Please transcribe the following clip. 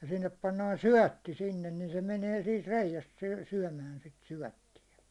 ja sinne pannaan syötti sinne niin se menee siitä reiästä - syömään sitä syöttiä